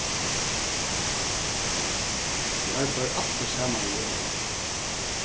tú arbeiðir altíð saman við øðrum